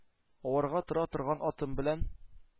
Аварга тора торган атым белән,